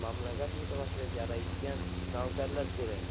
mamlakat mudofaasiga yaraydigan navkarlar kerak